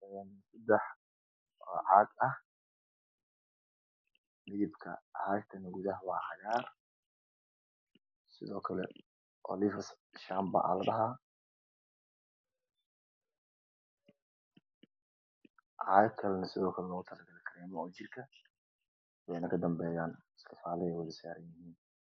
ubax oo caad ah.diirka caadana dudaha waa cagaar sidoo kale khaliifos shambo aa la dhahaa caadad kalana waawa u jirka weynaa ka dambeyaan sii xoolihii wahusaahi